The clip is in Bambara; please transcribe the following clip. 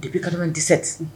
Depuis 97